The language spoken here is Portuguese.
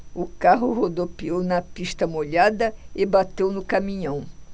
o carro rodopiou na pista molhada e bateu no caminhão